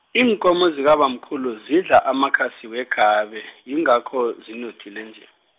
iinkomo zikabamkhulu zidla amakhasi wekhabe, yingakho, zinothile nje.